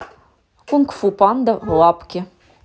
кунг фу панда лапки